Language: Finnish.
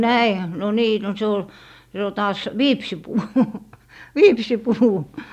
no näinhän - no niin no se oli se oli taas viipsinpuu viipsinpuu